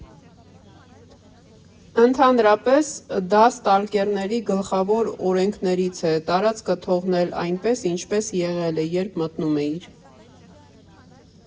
Ընդհանրապես, դա ստալկերների գլխավոր օրենքներից է՝ տարածքը թողնել այնպես, ինչպես եղել է, երբ մտնում էիր։